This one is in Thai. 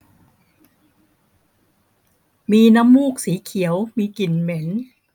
มีน้ำมูกสีเขียวมีกลิ่นเหม็น